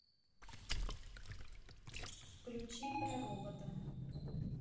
включи про роботов